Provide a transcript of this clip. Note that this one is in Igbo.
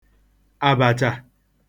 àbàchà